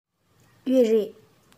ཡོད རེད